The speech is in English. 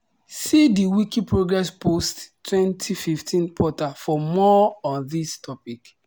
See the Wikiprogress post-2015 portal for more on this topic.